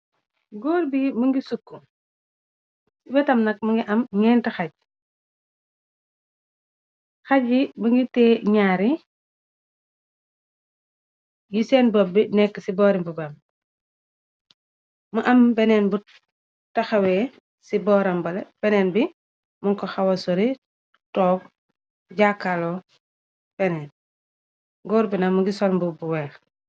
Goor sukku wetam nak mu ngi am ngent xaj xaj yi ba ngi te ñaari yi seen bopbi nekk ci boori mbubam mu am beneen bu taxawe ci beneen bi munko xawa sori toog jàkkaalo keneem góor bi nak mu ngi sol mbu bu weex.